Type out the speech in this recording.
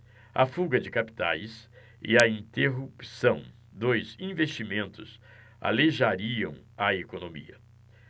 a fuga de capitais e a interrupção dos investimentos aleijariam a economia